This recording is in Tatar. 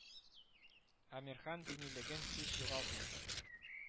Әмирхан динилеген һич югалтмый